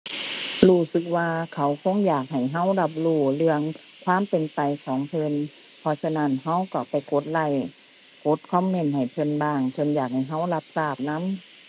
รู้สึกว่าเขาคงอยากให้เรารับรู้เรื่องความเป็นไปของเพิ่น เพราะฉะนั้นเราเราไปกดไลก์ กดคอมเมนต์ให้เพิ่นบ้าง เพิ่นอยากให้เรารับทราบนำ